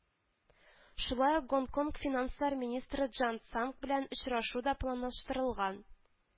Шулай ук Гонконг финанслар министры Джан Цанг белән очрашу да планлаштырылган